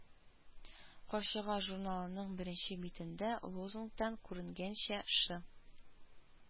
Карчыга журналының беренче битендәге лозунгтан күренгәнчә, Шы